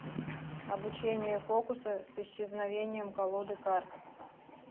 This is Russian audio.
обучение фокуса с исчезновением колоды карт